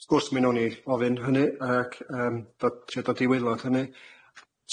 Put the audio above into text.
Yy sgwrs mynd nôl i ofyn hynny ac yym do- trio dod i waelod hynny.